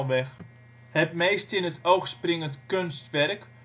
Het meest in het oog springende kunstwerk